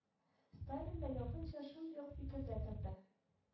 Сталин да якынча шундый ук фикердә торды